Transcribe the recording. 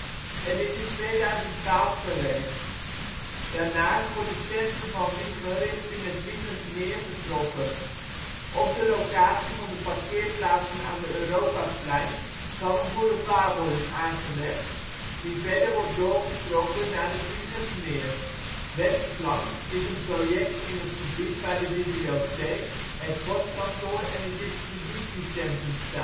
en is in 2012 gereed. Daarnaast wordt het centrum van Wijchen richting het Wijchens Meer getrokken. Op de locatie van de parkeerplaatsen aan het Europaplein zal een boulevard worden aangelegd, die verder wordt doorgetrokken naar het Wijchens Meer. Westflank is een project dat in het gebied waar de bibliotheek, het postkantoor en het distributiecentrum staan. Er